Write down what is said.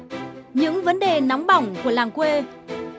những vấn đề nóng bỏng của làng quê